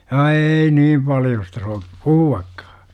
a ei niin paljosta - puhuakaan